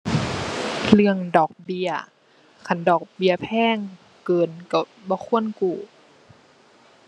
เรื่องดอกเบี้ย คันดอกเบี้ยแพงเกินก็บ่ควรกู้